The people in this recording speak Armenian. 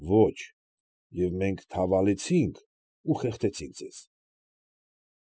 Ոչ։ Եվ մենք թավալեցինք ու խեղդեցինք ձեզ։